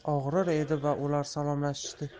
og'rir edi va ular salomlashishdi